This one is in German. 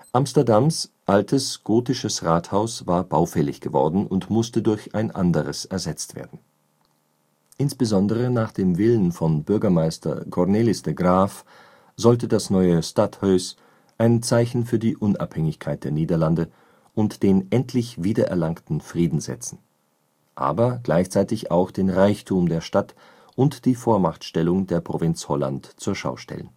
Amsterdams altes gotisches Rathaus war baufällig geworden und musste durch ein anderes ersetzt werden. Insbesondere nach dem Willen von Bürgermeister Cornelis de Graeff sollte das neue Stadhuis ein Zeichen für die Unabhängigkeit der Niederlande und den endlich wiedererlangten Frieden setzen, aber gleichzeitig auch den Reichtum der Stadt und die Vormachtstellung der Provinz Holland zur Schau stellen